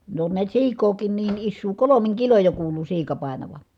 ne on näet siikaakin niin isoa kolmin kiloin jo kuului siika painavan